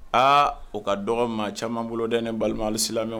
Aa o ka dɔgɔ maa caman bolo dɛɛ ne balima alisilamɛw